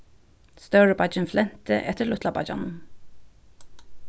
stóribeiggin flenti eftir lítlabeiggjanum